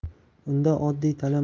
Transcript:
unda oddiy dala